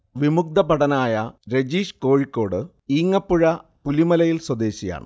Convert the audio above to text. വിമുക്ത ഭടനായ രജീഷ് കോഴിക്കോട് ഈങ്ങപ്പുഴ പുലിമലയിൽ സ്വദേശിയാണ്